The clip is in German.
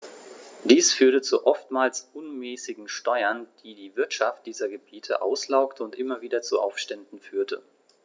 Dies führte zu oftmals unmäßigen Steuern, die die Wirtschaft dieser Gebiete auslaugte und immer wieder zu Aufständen führte.